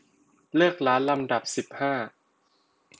เลือกร้านลำดับสิบห้า